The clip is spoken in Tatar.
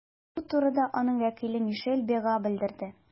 Бу турыда аның вәкиле Мишель Бега белдерде.